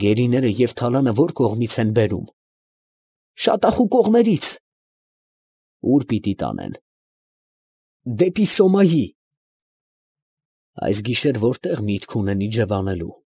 Գերիները և թալանը ո՞ր կողմից են բերում։ ֊ Շատախու կողմերից։ ֊ Ո՞ւր պիտի տանեն։ ֊ Դեպի Սոմայի։ ֊ Այս գիշեր ո՞րտեղ միտք ունեն իջևանելու։ ֊